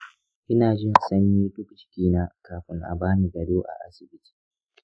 inajin sanyi duk jikina kafun a bani gado a asibiti.